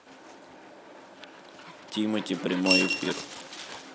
тимати прямой эфир